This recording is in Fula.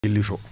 *